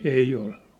ei ollut